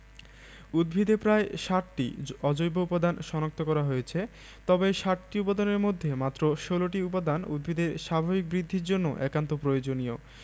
উদ্ভিদে প্রায় ৬০টি অজৈব উপাদান শনাক্ত করা হয়েছে তবে এই ৬০টি উপাদানের মধ্যে মাত্র ১৬টি উপাদান উদ্ভিদের স্বাভাবিক বৃদ্ধির জন্য একান্ত প্রয়োজনীয়